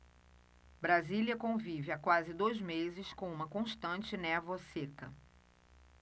brasília convive há quase dois meses com uma constante névoa seca